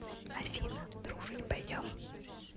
афина дружить пойдем